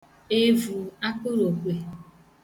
evu akpụrụ̀òkwè